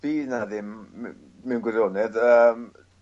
bydd 'na ddim my- mewn gwirionedd yym